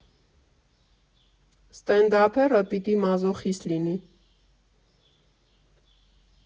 «Ստենդափերը պիտի մազոխիստ լինի»